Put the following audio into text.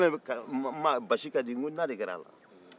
n'i y'a mɛn basi ka di n ko na de kɛra a la